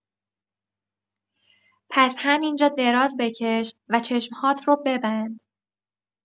پس همین‌جا دراز بکش و چشم‌هات رو ببند.